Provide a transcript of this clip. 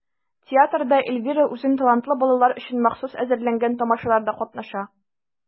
Театрда Эльвира үзен талантлы балалар өчен махсус әзерләнгән тамашаларда катнаша.